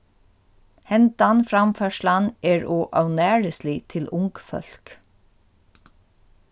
hendan framførslan er ov ónærislig til ung fólk